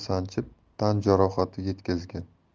sanchib tan jarohati yetkazgan